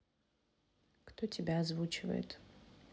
кто тебя озвучивает